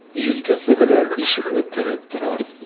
Җилкәсе белән ишекне терәп тора.